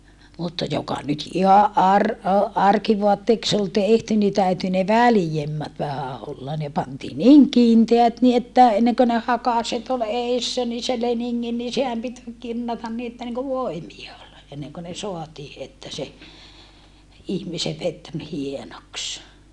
mutta joka nyt ihan -- arkivaatteeksi oli tehty niin täytyi ne väljemmät vähän olla ne pantiin niin kiinteät niin että ennen kuin ne hakaset oli edessä niin se leningin niin sehän piti kinnata niin että niin kuin voimia oli ennen kuin ne saatiin että se ihmisen veti niin hienoksi